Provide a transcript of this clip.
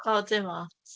O, dim ots.